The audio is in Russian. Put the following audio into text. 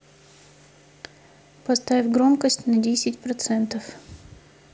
поставь громкость на десять процентов